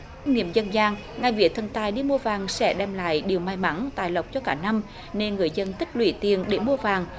niệm dân gian ngày vía thần tài đi mua vàng sẽ đem lại điều may mắn tài lộc cho cả năm nên người dân tích lũy tiền để mua vàng